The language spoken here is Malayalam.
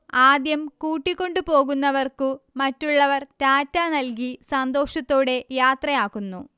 ആദ്യം കൂട്ടിക്കൊണ്ടുപോകുന്നവർക്കു മറ്റുള്ളവർ ടാറ്റാ നൽകി സന്തോഷത്തോടെ യാത്രയാക്കുന്നു